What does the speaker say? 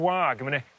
gwag a ma' 'ne